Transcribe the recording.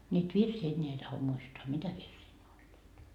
niitä virsiä enää ei tahdo muistaa mitä virsiä ne olivat